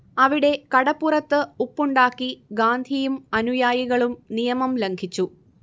അവിടെ കടപ്പുറത്ത് ഉപ്പുണ്ടാക്കി ഗാന്ധിയും അനുയായികളും നിയമം ലംഘിച്ചു